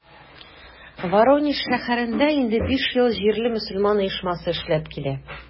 Воронеж шәһәрендә инде биш ел җирле мөселман оешмасы эшләп килә.